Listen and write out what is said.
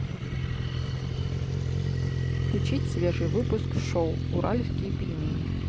включить свежий выпуск шоу уральские пельмени